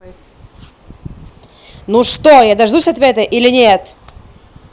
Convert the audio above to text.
ну что я дождусь ответа или нет